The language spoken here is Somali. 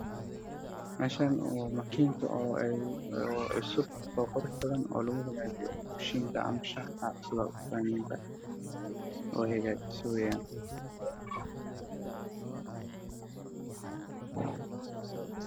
Waa makiinad lagu shiido cuntooyinka lagana karsado shaaxa waxaa ag yaalla weel ay ku jirto khudaar